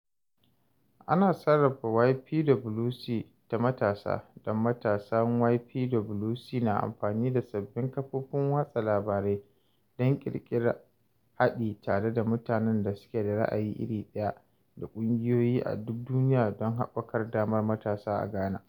Ana sarrafa YPWC ta matasa, don matasa, YPWC na amfani da sabbin kafofin watsa labarai don ƙirƙirar haɗi tare da mutanen da suke da ra’ayi iri ɗaya da ƙungiyoyi a duk duniya don haɓaka damar matasa a Ghana.